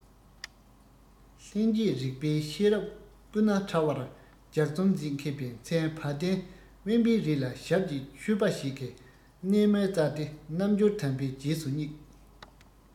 ལྷན སྐྱེས རིགས པའི ཤེས རབ སྐུ ན ཕྲ བར ལྗགས རྩོམ མཛད མཁས པའི མཚན སྙན བ དན དབེན པའི རི ལ ཞབས ཀྱིས ཆོས པ ཞིག གི གནས མལ བཙལ ཏེ རྣལ འབྱོར དམ པའི རྗེས སུ བསྙེགས